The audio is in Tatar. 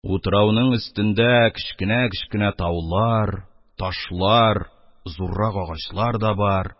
Утрауның өстендә кечкенә-кечкенә таулар, ташлар, зуррак агачлар да бар.